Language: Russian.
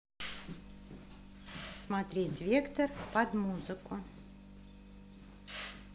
смотреть вектор под музыку